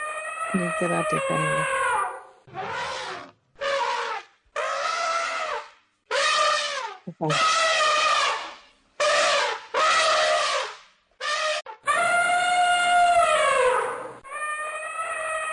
Li garateh kaila munge am lu xong khu